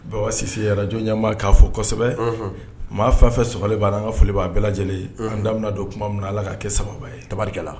Siyarajmaa k'a fɔ kosɛbɛ maa fafɛ sokɛ b' an ka foli' aa bɛɛ lajɛlen an daminɛ don tuma min ala ka kɛ saba ye tabarikɛla la